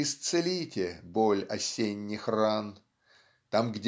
Исцелите боль осенних ран. Там